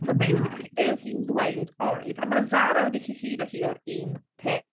So basically be oedd hi'n ddweud oedd... a ma' 'na Zara wedi cyhuddo hi o'r un peth.